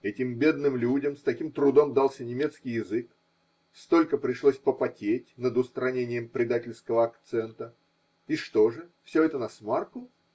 Этим бедным людям с таким трудом дался немецкий язык, столько пришлось попотеть над устранением предательского акцента – и что же. все это насмарку?